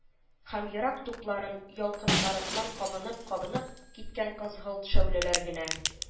Һәм ерак тупларын ялкыннарыннан кабынып-кабынып киткән кызгылт шәүләләр генә